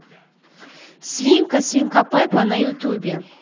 свинка свинка пеппа на ютубе